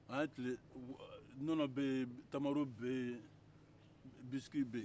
nɔnɔ bɛ yen tamaro bɛ yen bisiki bɛ yen